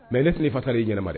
Mɛ nes ne fatali i ɲɛnaɛnɛma